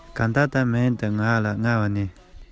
དཀར ཡོལ འབྲུག རིས མའི ནང དུ